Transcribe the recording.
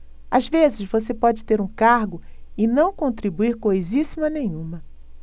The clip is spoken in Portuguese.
às vezes você pode ter um cargo e não contribuir coisíssima nenhuma